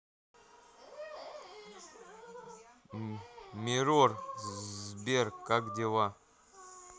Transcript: mirror сбер как дела